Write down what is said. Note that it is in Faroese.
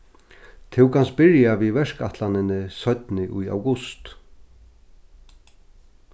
tú kanst byrja við verkætlanini seinni í august